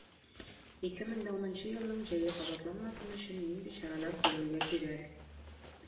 2010 елның җәе кабатланмасын өчен нинди чаралар күрергә кирәк?